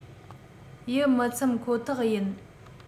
ཡིད མི ཚིམ ཁོ ཐག ཡིན